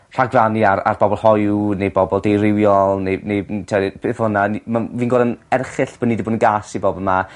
rhagfarnu ar ar bobol hoyw neu bobol deurywiol neu neu ma'n fi'n gwel' yn erchyll bod ni 'di bod yn gas i bobol 'ma